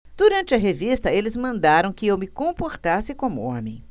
durante a revista eles mandaram que eu me comportasse como homem